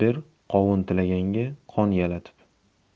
ber qovun tilaganga qon yalatib